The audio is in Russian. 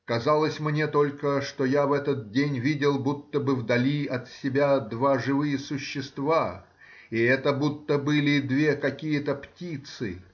Казалось мне только, что я в этот день видел будто бы вдали от себя два живые существа, и это будто были две какие-то птицы